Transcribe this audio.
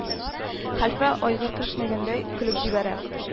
Хәлфә айгыр кешнәгәндәй көлеп җибәрә: